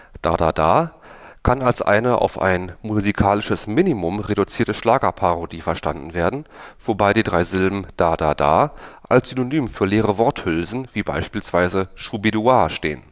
Da Da Da “kann als eine auf ein musikalisches Minimum reduzierte Schlagerparodie verstanden werden, wobei die drei Silben „ Da Da Da “als Synonym für leere Worthülsen wie beispielsweise „ Schubidua “stehen